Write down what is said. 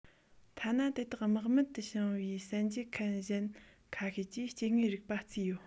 ཐ ན དེ དག རྨད དུ བྱུང བའི གསལ འབྱེད མཁན གཞན ཁ ཤས ཀྱིས སྐྱེ དངོས རིགས ལ བརྩིས ཡོད